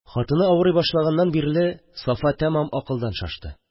...хатыны авырый башлагач сафа тамам акылдан шашты.